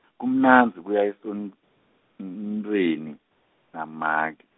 kumnandzi kuya esont- ntfweni, na make.